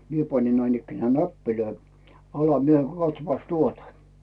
minä panin näinikään näppejä alas minä katsopas tuota